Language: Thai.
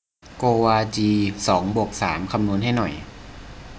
โกวาจีสองบวกสามคำนวณให้หน่อย